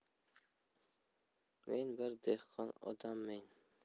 men bir dehqon odammen